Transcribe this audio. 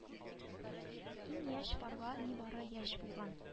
Иң яшь парга нибары яшь булган